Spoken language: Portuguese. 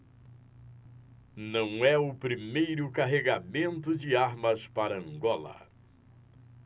não é o primeiro carregamento de armas para angola